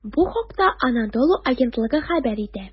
Бу хакта "Анадолу" агентлыгы хәбәр итә.